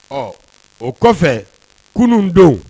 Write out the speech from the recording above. Ɔ o kɔfɛ kunun don